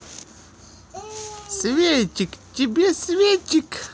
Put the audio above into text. цветик тебе цветик